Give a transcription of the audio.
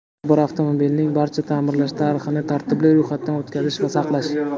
har bir avtomobilning barcha ta'mirlash tarixini tartibli ro'yxatdan o'tkazish va saqlash